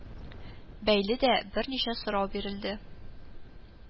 Бәйле дә берничә сорау бирелде